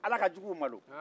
ala ka jugu malo